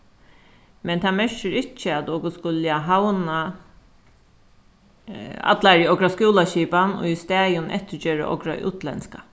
men tað merkir ikki at okur skula havna allari okra skúlaskipan og í staðin eftirgera okra útlendska